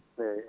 eyyi